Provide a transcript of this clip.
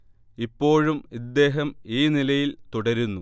ഇപ്പോഴും ഇദ്ദേഹം ഈ നിലയിൽ തുടരുന്നു